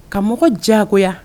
Ka mɔgɔ diyago